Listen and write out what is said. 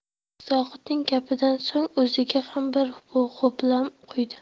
zohidning gapidan so'ng o'ziga ham bir ho'plam quydi